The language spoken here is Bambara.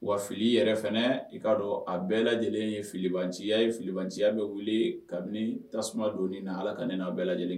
Wa fili yɛrɛ fana, i k'a dɔn a bɛɛ lajɛlen ye filibanciya ye filibanciya bɛ wuli kabini tasuma donni na Ala ka ne n'aw bɛɛ lajɛlen